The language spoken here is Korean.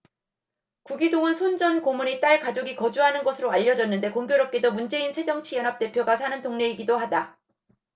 구기동은 손 전 고문의 딸 가족이 거주하는 것으로 알려졌는데 공교롭게도 문재인 새정치연합 대표가 사는 동네이기도 하다